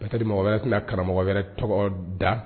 Peut être mɔgɔ wɛrɛ tɛna karamɔgɔ wɛrɛ tɔgɔ da